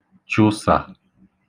chụsà